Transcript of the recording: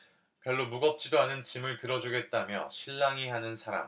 별로 무겁지도 않은 짐을 들어주겠다며 실랑이 하는 사람